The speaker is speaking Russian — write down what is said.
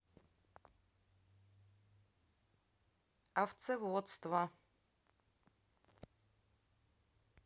овцеводство